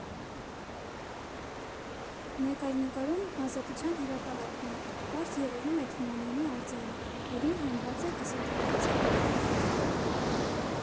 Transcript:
Մեկ այլ նկարում Ազատության հրապարակն է, պարզ երևում է Թումանյանի արձանը, որին հենված է կիսաթափանցիկ մարդու ֆիգուր։